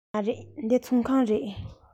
མ རེད འདི ཚོང ཁང རེད